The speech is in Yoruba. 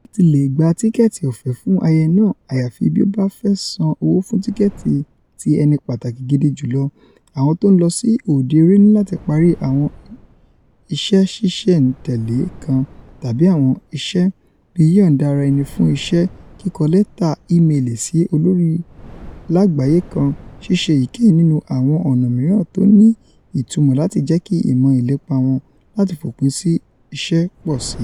Láti leè gba tíkẹ́ẹ̀tì ọ̀fẹ́ fún ayẹyẹ náà (àyàfi bí ó báfẹ́ sán owó fún tíkẹ́ẹ̀tì ti ẸNI PÀTÀKÌ GIDI julo), àwọn tó ńlọ sí òde-eré nilati pari àwọn iṣẹ́ ṣíṣẹ̀-n-tẹ̀lé kan, tàbí ''àwọn iṣẹ́''bíi yíyọ̀ǹda ara ẹni fún iṣẹ́, kíkọ lẹ́tà i-meèlì si olórí láàgbáyé kan, ṣíṣe èyíkèyìí nínú àwọn ọ̀nà mìíràn tóni ìtumọ́ lati jẹ́kí ìmọ̀ ìlépa wọn láti fòpin sí ìṣẹ́ pọ̀síi.